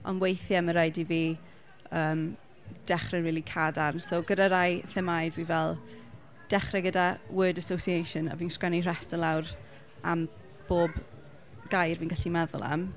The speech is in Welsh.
Ond weithiau ma' raid i fi yym dechrau'n rili cadarn, so gyda rhai themâu fi fel dechrau gyda word association a fi'n sgwennu rhestr lawr am bob gair fi'n gallu meddwl am.